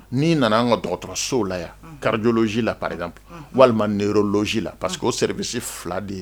N'i nana an ka dɔgɔtɔrɔsow la yan kariji la pa walima lɔi la parce que o bɛ se fila de ye